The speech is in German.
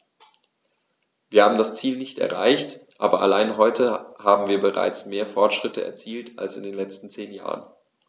Wir haben das Ziel nicht erreicht, aber allein heute haben wir bereits mehr Fortschritte erzielt als in den letzten zehn Jahren.